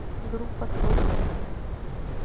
группа твой день